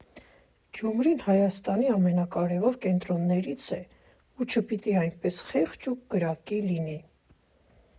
Գյումրին Հայաստանի ամենակարևոր կենտրոններից է ու չպիտի այսպես խեղճ ու կրակի լինի։